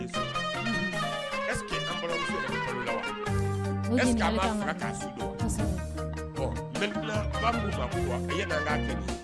Kun